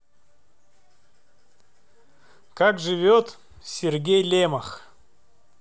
как живет сергей лемох